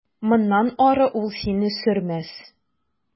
Моннан ары ул сине сөрмәс.